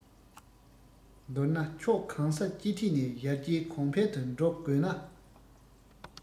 མདོར ན ཕྱོགས གང ས ཅི ཐད ནས ཡར རྒྱས གོང འཕེལ དུ འགྲོ དགོས ན